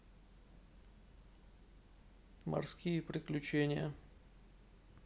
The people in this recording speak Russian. морские приключения